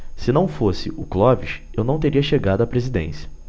se não fosse o clóvis eu não teria chegado à presidência